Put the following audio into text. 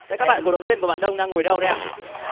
thế các bạn cổ động viên của bạn đông đang ngồi đâu đấy ạ